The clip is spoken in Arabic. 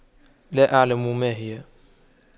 لا أعلم ماهي